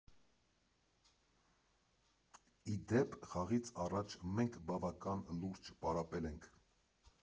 Ի դեպ, խաղից առաջ մենք բավական լուրջ պարապել ենք։